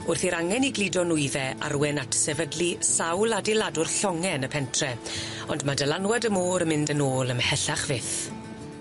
wrth i'r angen i gludo nwydde arwen at sefydlu sawl adeiladwr llonge yn y pentre ond ma' dylanwad y môr yn mynd yn ôl ymhellach fyth.